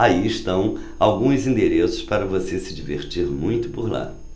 aí estão alguns endereços para você se divertir muito por lá